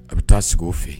A bɛ taa sigi o fɛ